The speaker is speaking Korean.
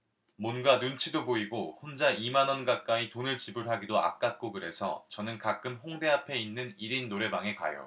뭔가 눈치도 보이고 혼자 이 만 원 가까이 돈을 지불하기도 아깝고 그래서 저는 가끔 홍대앞에 있는 일 인 노래방에 가요